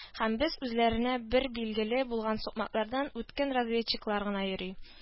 Һәм без үзләренә генә билгеле булган сукмаклардан үткен разведчиклар гына йөри